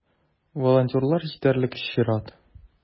Волонтерлар җитәрлек - чират.